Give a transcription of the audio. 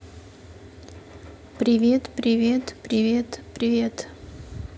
привет привет привет привет